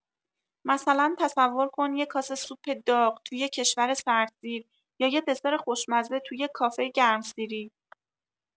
مثلا تصور کن یه کاسه سوپ داغ تو یه کشور سردسیر، یا یه دسر خوشمزه تو یه کافه گرمسیری.